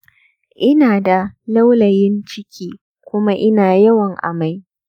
ina da lawlayin cikikuma ina yawan amai